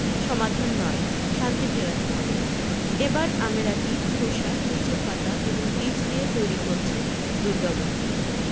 সমাধান নয় শান্তি ফেরাতে হবে এ বার আমের আঁটি খোসা লিচুর পাতা এবং বীজ দিয়ে তৈরী করছেন দুর্গা মূর্তি